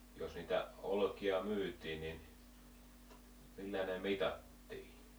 jos niitä olkia myytiin niin millä ne mitattiin